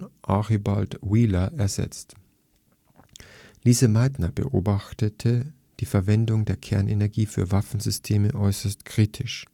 Archibald Wheeler ersetzt. Lise Meitner beobachtete die Verwendung der Kernenergie für Waffensysteme äußerst kritisch